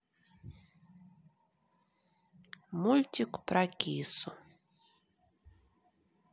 мультик про кису